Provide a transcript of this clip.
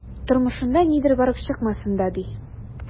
Тормышында нидер барып чыкмасын да, ди...